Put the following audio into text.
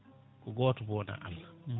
ko goto mbo wona Allah